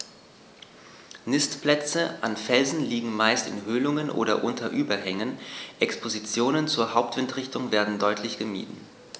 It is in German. Nistplätze an Felsen liegen meist in Höhlungen oder unter Überhängen, Expositionen zur Hauptwindrichtung werden deutlich gemieden.